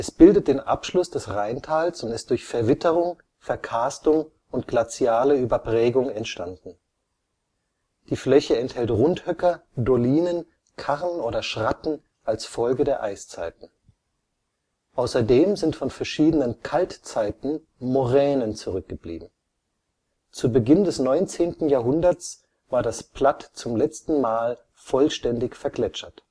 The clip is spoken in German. bildet den Abschluss des Reintals und ist durch Verwitterung, Verkarstung und glaziale Überprägung entstanden. Die Fläche enthält Rundhöcker, Dolinen, Karren oder Schratten als Folge der Eiszeiten. Außerdem sind von verschiedenen Kaltzeiten Moränen zurückgeblieben. Zu Beginn des 19. Jahrhunderts war das Platt zum letzten Mal vollständig vergletschert